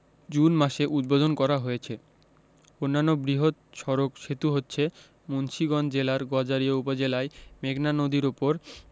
June মাসে উদ্বোধন করা হয়েছে অন্যান্য বৃহৎ সড়ক সেতু হচ্ছে মুন্সিগঞ্জ জেলার গজারিয়া উপজেলায় মেঘনা নদীর উপর